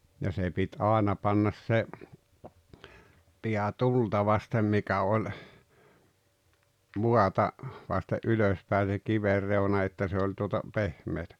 ja se piti aina panna se pää tulta vasten mikä oli maata vasten ylös päin se kiven reuna että se oli tuota pehmeää